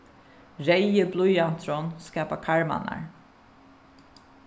reyði blýanturin skapar karmarnar